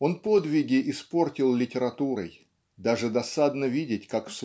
он подвиги испортил литературой. Даже досадно видеть как